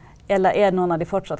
eller er noen av de fortsatt?